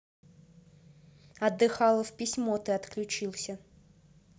отдыхалов письмо ты отключился